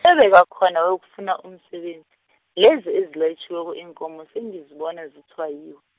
obekakhona wayokufuna umseben-, lezi ezilayitjhiweko iinkomo, sengizibona zitshayiwe.